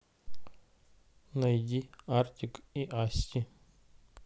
найди артик и асти